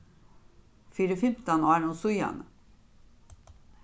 fyri fimtan árum síðani